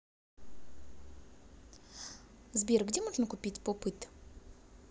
сбер где можно купить pop it